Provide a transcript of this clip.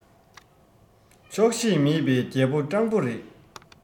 ཆོག ཤེས མེད པའི རྒྱལ པོ སྤྲང པོ རེད